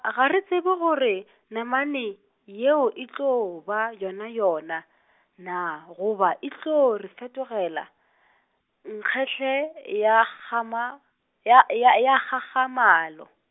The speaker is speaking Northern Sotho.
a ga re tsebe gore namane, yeo e tlo ba yona yona na, goba e tlo re fetogela, nkgele ya kgama, ya ya ya kgakgamalo.